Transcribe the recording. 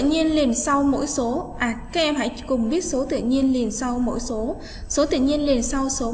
số tự nhiên liên sau mỗi số cũng biết số tự nhiên liên sau mỗi số số tự nhiên liên sau số